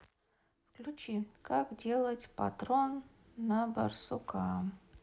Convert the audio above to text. включи как делать патрон на барсука